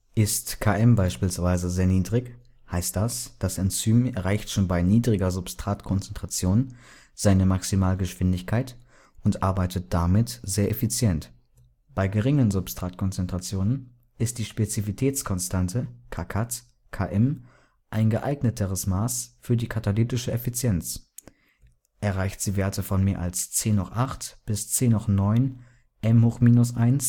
Ist Km beispielsweise sehr niedrig, heißt das, das Enzym erreicht schon bei niedriger Substratkonzentration seine Maximalgeschwindigkeit und arbeitet damit sehr effizient. Bei geringen Substratkonzentrationen ist die Spezifitätskonstante kcat / Km ein geeigneteres Maß für die katalytische Effizienz. Erreicht sie Werte von mehr als 108 bis 109 M−1 s−1